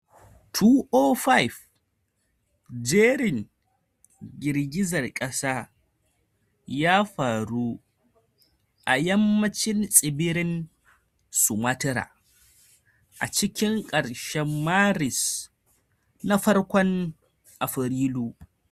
2005: Jerin girgizar kasa ya faru a yammacin tsibirin Sumatra a cikin karshen Maris da farkon Afrilu.